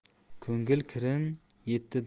ko'ngil kirin yetti